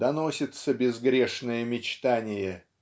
доносится безгрешное мечтание